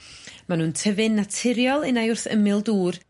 ma' nw'n tyfu'n naturiol unai wrth ymyl dŵr